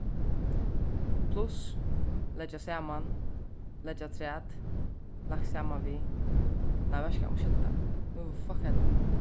pluss leggja saman leggja afturat lagt saman við nei veitst hvat umskylda nú fokkaði eg tað upp